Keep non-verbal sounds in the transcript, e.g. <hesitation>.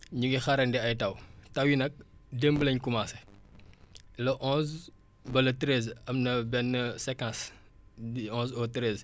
ñu ngi xaarandi ay taw taw yi nag démb lañ comencé le onze ba le treize am na benn <hesitation> séquence du onze au treize